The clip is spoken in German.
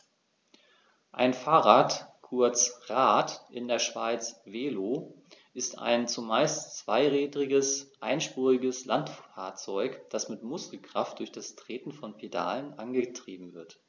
Ein Fahrrad, kurz Rad, in der Schweiz Velo, ist ein zumeist zweirädriges einspuriges Landfahrzeug, das mit Muskelkraft durch das Treten von Pedalen angetrieben wird.